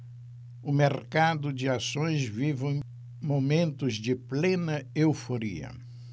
o mercado de ações vive momentos de plena euforia